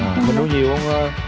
à mình nuôi nhiều hông ơ